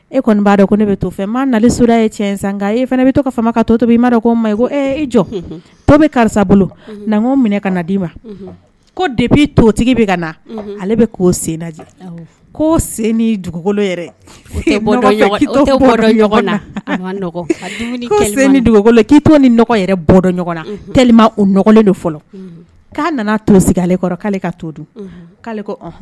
E to jɔ to karisa ma ko de totigi bɛ ka na ale bɛ'o sen ko sen dugukolokolo k'i to ni bɔ dɔn na o nɔgɔlen de k'a nana to sigi ale kɔrɔ k'ale ka to dunale